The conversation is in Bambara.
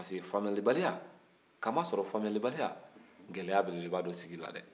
ka d'a kan faamuyabaliya gɛlɛya belebeleba don sigi la dɛ